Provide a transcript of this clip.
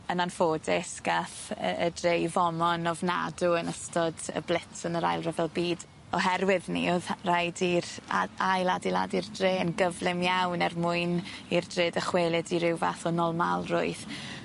Yn anffodus gath yy y dre 'i fomo yn ofnadw yn ystod y blitz yn yr Ail Ryfel Byd oherwydd 'ny o'dd rhaid i'r a- ail adeiladu'r dre yn gyflym iawn er mwyn i'r dre dychwelyd i ryw fath o nolmalrwydd.